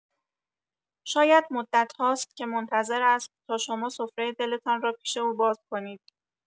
شاید مدت‌هاست که منتظر است تا شما سفره دلتان را پیش او باز کنید.